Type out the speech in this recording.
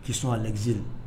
Kison a gzse